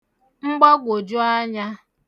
mgbagwòju anyā